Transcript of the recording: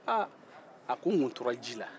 a ko n tun tora ji la